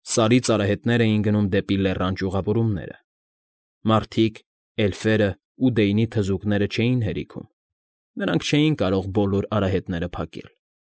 Սարից արահետներ էին գնում դեպի լեռան ճյուղավորումները. մարդիկ, էլֆերն ու Դեյնի թզուկները չէին հերիքում, նրանք չէին կարող բոլոր արահետները փակել։